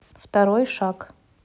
второй шаг